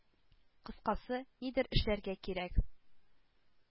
Кыскасы, нидер эшләргә кирәк.